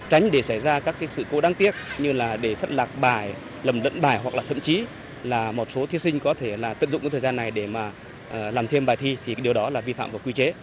tránh để xảy ra các sự cố đáng tiếc như là để thất lạc bài lầm lẫn bài hoặc là thậm chí là một số thí sinh có thể là tận dụng thời gian này để mà à làm thêm bài thi thì điều đó là vi phạm quy chế